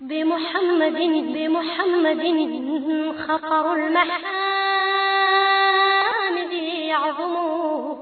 Denmumusonin densoninlagɛnin yo